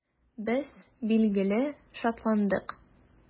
Без, билгеле, шатландык.